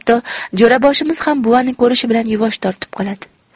hatto jo'raboshimiz ham buvani ko'rishi bilan yuvosh tortib qoladi